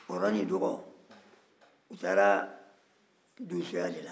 kɔrɔ ni dɔgɔ u taara donsoya la